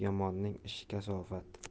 yomonning ishi kasofat